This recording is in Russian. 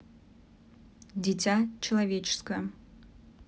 дитя человеческое